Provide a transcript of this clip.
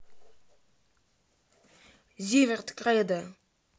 zivert credo